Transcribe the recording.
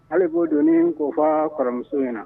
Hali don u ka kɔrɔmuso ɲɛna